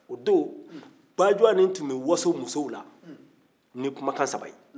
o don bajoni tun bɛ waso musow la ni kumakan saba ye